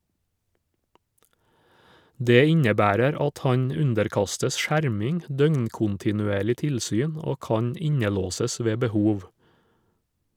Det innebærer at han underkastes skjerming, døgnkontinuerlig tilsyn og kan innelåses ved behov.